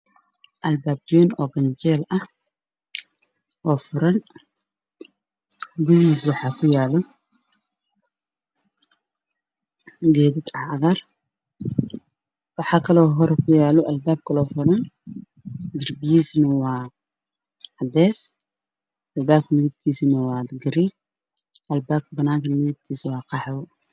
Waa Albaab weyn oo ganjeel ah oo furan